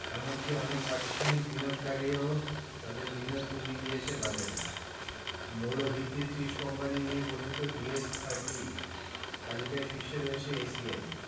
এমনকি অনেক প্রাতিষ্ঠানিক বিনিয়োগকারীও তাদের বিনিয়োগ কমিয়ে দিয়েছে বাজারে মৌলভিত্তির ৩০ কোম্পানি নিয়ে গঠিত ডিএস ৩০ তালিকার শীর্ষে রয়েছে এসিআই